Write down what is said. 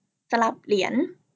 สลับเหรียญ